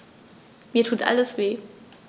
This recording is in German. Mir tut alles weh.